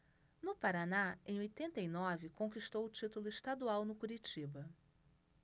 no paraná em oitenta e nove conquistou o título estadual no curitiba